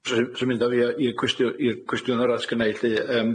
Sy'n sy'n mynd â fi a i'r cwestiwn- i'r cwestiwn arall s'gynna fi lly, yym.